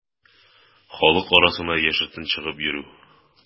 Халык арасына яшертен чыгып йөрү.